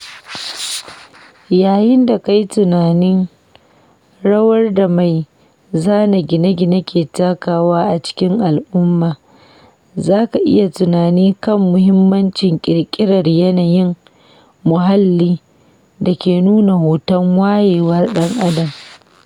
Yayin da ka yi tunanin rawar da mai zana gine-gine ke takawa a cikin al’umma, za ka iya tunani kan mahimmancin ƙirƙirar yanayin muhalli da ke nuna hoton wayewar ɗan Adam.